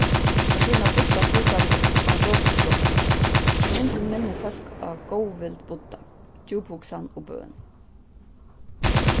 tær sýna budda sitandi á lotusblómu myndin minnir fólk á góðvild budda djúphugsan og bøn